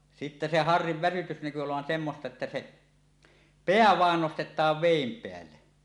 sitten se harrin väsytys näkyi olevan semmoista että se pää vain nostetaan veden päälle